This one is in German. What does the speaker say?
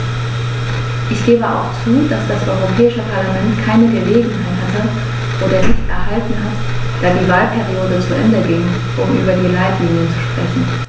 Ich gebe auch zu, dass das Europäische Parlament keine Gelegenheit hatte - oder nicht erhalten hat, da die Wahlperiode zu Ende ging -, um über die Leitlinien zu sprechen.